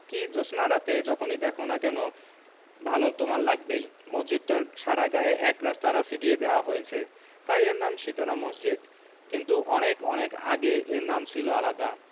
কি জ্যোৎস্নারাতে যখনি দ্যাখো না কেন ভালো তোমার লাগবেই মসজিদটার সারা গায়ে একরাশ তারা ছিটিয়ে দেয়া হয়েছে তাই এর নাম সিতারা মসজিদ কিন্তু অনেক অনেক আগে এর নাম ছিল আলাদা